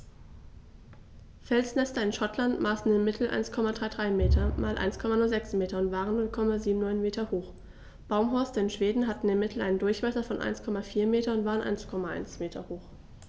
Felsnester in Schottland maßen im Mittel 1,33 m x 1,06 m und waren 0,79 m hoch, Baumhorste in Schweden hatten im Mittel einen Durchmesser von 1,4 m und waren 1,1 m hoch.